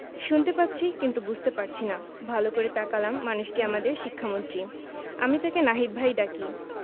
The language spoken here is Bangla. শুনতে পাচ্ছি কিন্তু বুঝতে পারছি না ভালো করে তাকালাম মানুষটি আমাদের শিক্ষামন্ত্রী আমি তাকে নাহিদ ভাই ডাকি